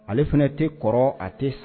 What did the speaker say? Ale fana tɛ kɔrɔ a tɛ san